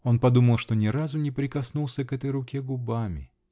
Он подумал, что ни разу не прикоснулся к этой руке губами.